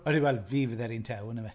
Odi, wel fi fydde'r un tew yndyfe?